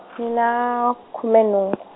ni na, khume nhungu.